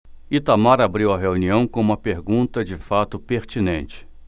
itamar abriu a reunião com uma pergunta de fato pertinente